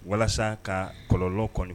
Walasa ka kɔlɔlɔnlɔ kɔnɔ